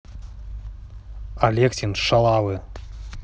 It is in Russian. алексин шалавы